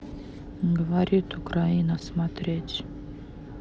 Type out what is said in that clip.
говорит украина смотреть